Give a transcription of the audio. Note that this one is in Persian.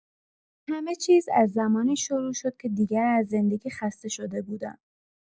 همه‌چیز از زمانی شروع شد که دیگر از زندگی خسته شده بودم.